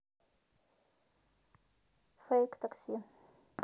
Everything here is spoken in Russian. fake taxi